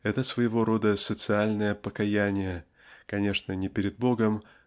это своего рода "социальное покаяние" конечно не перед Богом